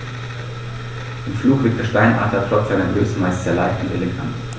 Im Flug wirkt der Steinadler trotz seiner Größe meist sehr leicht und elegant.